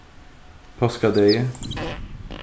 páskadegi